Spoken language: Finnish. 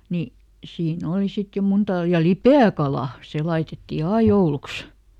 niin siinä oli sitten jo - ja lipeäkalaa se laitettiin aina jouluksi